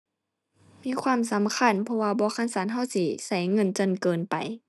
มีความสำคัญเพราะบ่คันซั้นเราสิเราเงินจนเกินไป